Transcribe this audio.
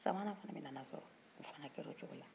sabanan fɛnɛ min nana sɔrɔ o fɛnɛ kɛr'o cogo la